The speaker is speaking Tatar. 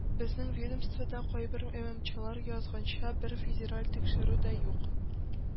Безнең ведомствода, кайбер ММЧлар язганча, бер федераль тикшерү дә юк